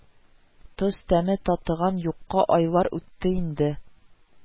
Тоз тәме татыган юкка айлар үтте инде